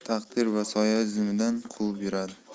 taqdir va soya izimizdan quvib yuradi